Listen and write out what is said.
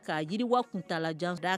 K kaa jiri waa kuntala janda